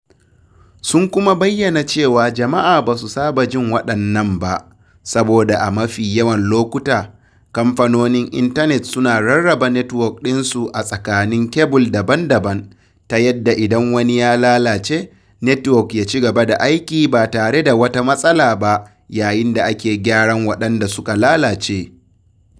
Sun kuma bayyana cewa jama’a ba su saba jin waɗannan ba, saboda a mafi yawan lokuta, kamfanonin intanet suna rarraba netwok ɗinsu a tsakanin kebul daban-daban, ta yanda idan wani ya lalace, netwok yaci gaba da aiki ba tare da wata matsala ba yayin da ake gyaran waɗanda suka lalace.